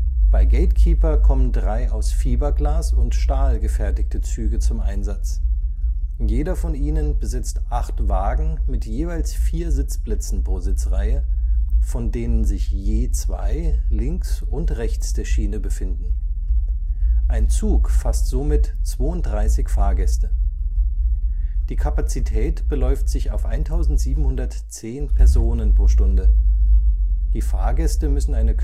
Bei GateKeeper kommen drei aus Fiberglas und Stahl gefertigte Züge zum Einsatz. Jeder von ihnen besitzt acht Wagen mit jeweils vier Sitzplätzen pro Sitzreihe, von denen sich je zwei links und rechts der Schiene befinden. Ein Zug fasst somit 32 Fahrgäste. Die Kapazität beläuft sich auf 1710 Personen pro Stunde. Die Fahrgäste müssen eine